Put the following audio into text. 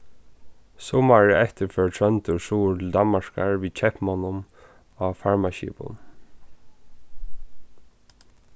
summarið eftir fór tróndur suður til danmarkar við keypmonnum á farmaskipum